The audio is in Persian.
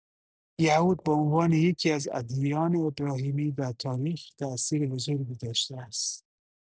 یهود به عنوان یکی‌از ادیان ابراهیمی در تاریخ تاثیر بزرگی داشته است.